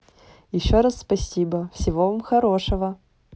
еще раз спасибо всего вам хорошего